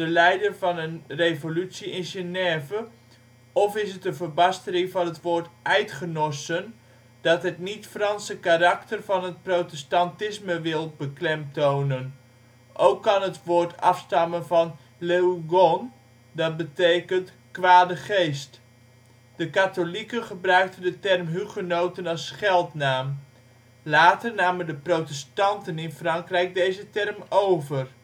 leider van een revolutie in Genève, of is het een verbastering van het woord " Eidgenossen " dat het niet-Franse karakter van het protestantisme wil beklemtonen. Ook kan het woord afstammen van ' le Hugon ', dit betekent kwade geest. De katholieken gebruikten de term ' hugenoten ' als scheldnaam. Later namen de protestanten in Frankrijk deze term over